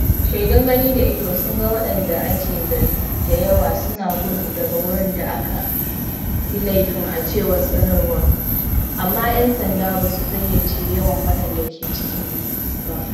Shaidun gani da ido sun ga waɗanda ake zargi da yawa suna gudu daga wurin da aka yi laifin a cewar sanarwar, amma ‘yan sanda ba su fayyace yawan waɗanda ke cikin ba.